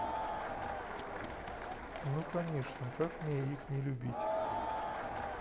ну конечно как мне их не любить